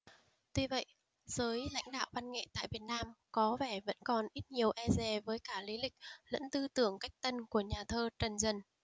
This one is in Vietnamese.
tuy vậy giới lãnh đạo văn nghệ tại việt nam có vẻ vẫn còn ít nhiều e dè với cả lý lịch lẫn tư tưởng cách tân của nhà thơ trần dần